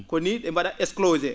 ko nii ?ee mba?a éclore: fra